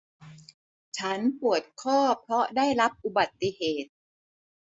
ฉันปวดข้อเพราะได้รับอุบัติเหตุ